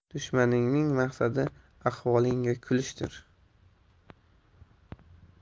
dushmaningning maqsadi ahvolingga kulishdir